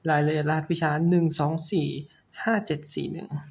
รายละเอียดรหัสวิชาหนึ่งสองสี่ห้าเจ็ดสี่หนึ่ง